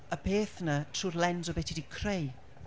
y peth 'na trwy'r lens o be ti 'di creu?